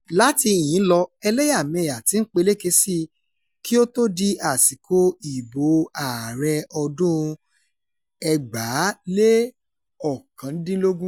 Láti ìhín lọ, ẹlẹ́yàmẹyà ti ń peléke sí i kí ó tó di àsìkò ìbò ààrẹ ọdún-un 2019.